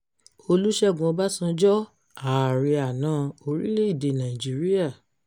Olúṣẹ́gun Ọbásanjọ́, Ààrẹ àná orílẹ̀-èdè Nàìjíríà.